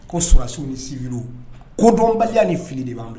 Ko suso ni si kodɔnbaliya ni fili de b'an bila